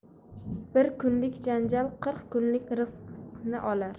bir kunlik janjal qirq kunlik rizqni olar